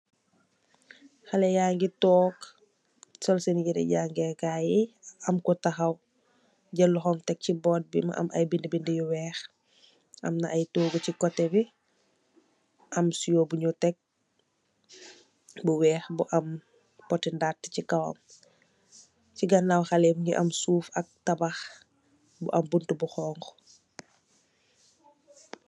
Hale yangi took sol sen yare jangekai am cu taxaw jal aye loxome teke ci kaw tabal bi am I binde yu wex amna aye togu ci wetgi am sewo bunju tek bu wex an poti ndate ci kaw ci ganawe xxaleyi mungi am soufe ak tabax am buntobu xonxu